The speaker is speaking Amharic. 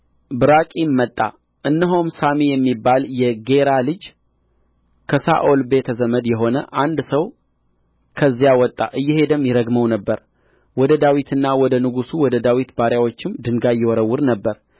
ብራቂም መጣ እነሆም ሳሚ የሚባል የጌራ ልጅ ከሳኦል ቤተ ዘመድ የሆነ አንድ ሰው ከዚያ ወጣ እየሄደም ይረግመው ነበር ወደ ዳዊትና ወደ ንጉሡ ወደ ዳዊት ባሪያዎችም ድንጋይ ይወረውር ነበር